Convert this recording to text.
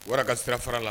Wara ka sira fara la